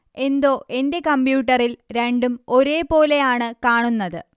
എന്തോ എന്റെ കമ്പ്യൂട്ടറിൽ രണ്ടും ഒരേ പോലെ ആണ് കാണുന്നത്